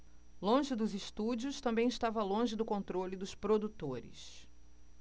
longe dos estúdios também estava longe do controle dos produtores